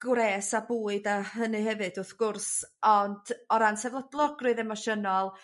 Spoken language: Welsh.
gwres a bwyd a hynny hefyd wrth gwrs ond o ran sefydlogrwydd emosiynol